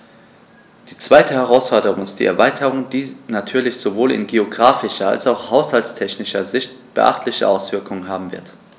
Die zweite Herausforderung ist die Erweiterung, die natürlich sowohl in geographischer als auch haushaltstechnischer Sicht beachtliche Auswirkungen haben wird.